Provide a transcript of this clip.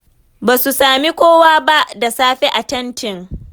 Ba su sami kowa ba da safe a tentin.